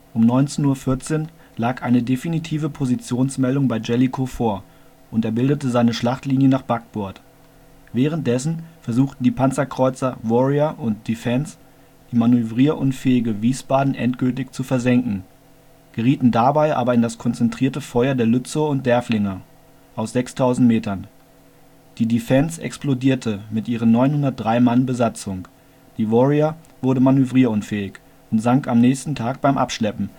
Um 19:14 Uhr lag eine definitive Positionsmeldung bei Jellicoe vor, und er bildete seine Schlachtlinie nach Backbord. Währenddessen versuchten die Panzerkreuzer Warrior und Defence die manövrierunfähige Wiesbaden endgültig zu versenken, gerieten dabei aber in das konzentrierte Feuer der Lützow und Derfflinger aus 6000 Metern. Die Defence explodierte mit ihren 903 Mann Besatzung, die Warrior wurde manövrierunfähig und sank am nächsten Tag beim Abschleppen